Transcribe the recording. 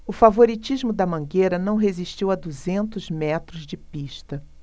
o favoritismo da mangueira não resistiu a duzentos metros de pista